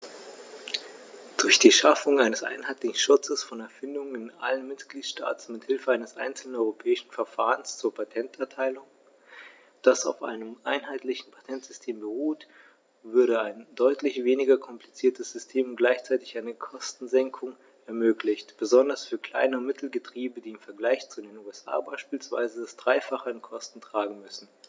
Durch die Schaffung eines einheitlichen Schutzes von Erfindungen in allen Mitgliedstaaten mit Hilfe eines einzelnen europäischen Verfahrens zur Patenterteilung, das auf einem einheitlichen Patentsystem beruht, würde ein deutlich weniger kompliziertes System und gleichzeitig eine Kostensenkung ermöglicht, besonders für Klein- und Mittelbetriebe, die im Vergleich zu den USA beispielsweise das dreifache an Kosten tragen müssen.